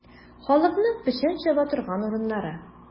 Халыкның печән чаба торган урыннары.